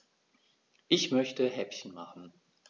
Ich möchte Häppchen machen.